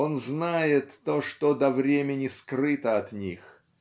Он знает то, что до времени скрыто от них.